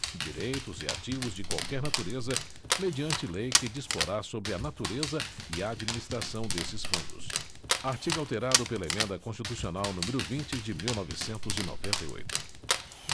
direitos e ativos de qualquer natureza mediante lei que disporá sobre a natureza e a administração desses fundos artigo alterado pela emenda constitucional número vinte de mil novecentos e noventa e oito